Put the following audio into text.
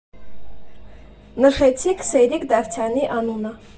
Նշեցիք Սերիկ Դավթյանի անունը.